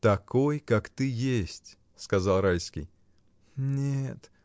— Такой, как ты есть, — сказал Райский. — Нет.